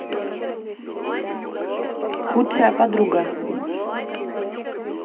худшая подруга